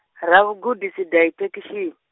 ravhugudisi dayithekishini.